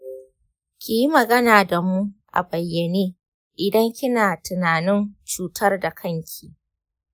kiyi magana damu a bayyane idan kina tinanin cutar da kanki.